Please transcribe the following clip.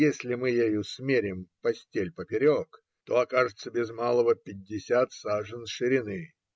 Если мы ею смерим постель поперек, то окажется без малого пятьдесят сажен ширины.